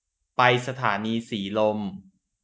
ไปสถานีสีลม